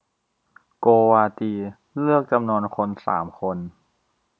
โกวาจีเลือกจำนวนคนสามคน